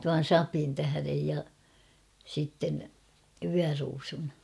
tuon sapen tähden ja sitten vyöruusun